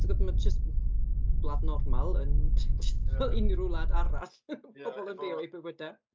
Ti'n gwybod mae jyst gwlad normal yn... jyst fel unryw wlad arall , pobl yn byw eu bywydau.